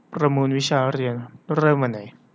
ประมูลวิชาเรียนเริ่มวันไหน